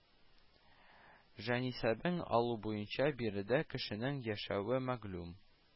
Җанисәбен алу буенча биредә кешенең яшәве мәгълүм